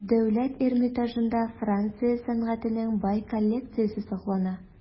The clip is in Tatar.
Дәүләт Эрмитажында Франция сәнгатенең бай коллекциясе саклана.